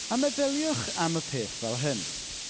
A meddyliwch am y peth fel hyn.